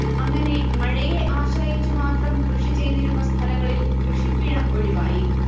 അങ്ങനെ മഴയെ ആശ്രയിച്ചു മാത്രം കൃഷി ചെയ്തിരുന്ന സ്ഥലങ്ങളിൽ കൃഷിപ്പിഴ ഒഴിവായി